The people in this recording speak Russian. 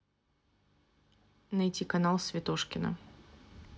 найти канал светошкина